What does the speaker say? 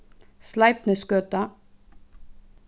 sleipnisgøta